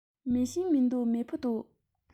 མེ ཤིང མི འདུག མེ ཕུ འདུག